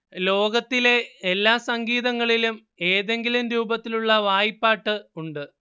ലോകത്തിലെ എല്ലാ സംഗീതങ്ങളിലും എതെങ്കിലും രൂപത്തിലുള്ള വായ്പ്പാട്ട് ഉണ്ട്